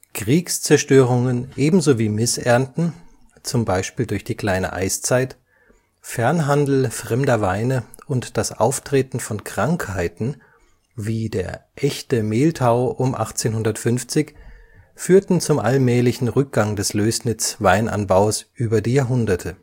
Kriegszerstörungen ebenso wie Missernten (zum Beispiel durch die Kleine Eiszeit), Fernhandel fremder Weine und das Auftreten von Krankheiten (wie der Echte Mehltau um 1850) führten zum allmählichen Rückgang des Lößnitz-Weinanbaus über die Jahrhunderte